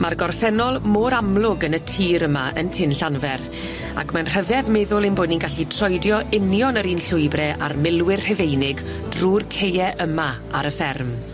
Ma'r gorffennol mor amlwg yn y tir yma yn Tyn Llanfer ac ma'n rhyfedd meddwl ein bo' ni'n gallu troedio union yr un llwybre a'r milwyr Rhufeinig drw'r caee yma ar y fferm.